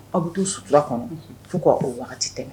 Aw bɛ t'o sutura kɔnɔ fo ka o waati tɛmɛ.